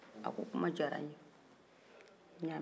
a ko kuma diyara n ye n y'a mɛn